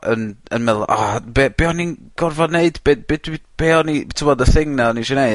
yn yn me'wl o be' be' o'n i'n gorfod neud be' be' dwi be' o'n i t'bod y thing 'na o'n i isio neud?